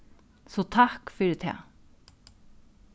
so takk fyri tað